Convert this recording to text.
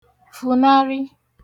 fùnarị